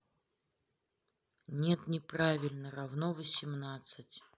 нет не правильно равно восемнадцать